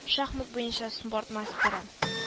Шахмат буенча спорт мастеры